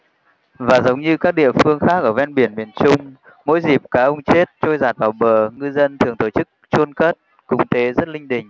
và giống như các địa phương khác ở ven biển miền trung mỗi dịp cá ông chết trôi dạt vào bờ ngư dân thường tổ chức chôn cất cúng tế rất linh đình